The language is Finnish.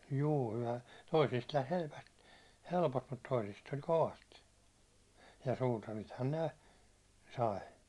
juu kyllähän toisista lähti - helposti mutta toisista tuli kovasti ja suutarithan ne sai